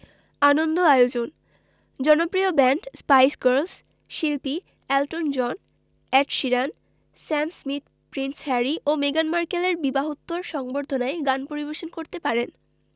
আনন্দ আয়োজন জনপ্রিয় band Spice Girls শিল্পী Elton John Ed Sheeran Sam Smith Prince Harry ও মেগান মার্কেলের বিবাহোত্তর সংবর্ধনায় গান পরিবেশন করতে পারেন